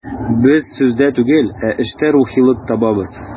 Без сүздә түгел, ә эштә рухилык табабыз.